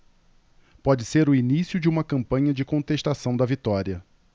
pode ser o início de uma campanha de contestação da vitória